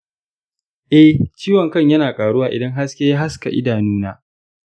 eh, ciwon kan yana ƙaruwa idan haske ya haska idanuna.